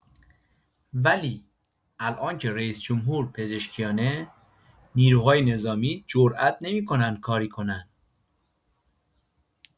ولی الان که رئیس‌جمهور پزشکیانه، نیروهای نظامی جرئت نمی‌کنن کاری کنن!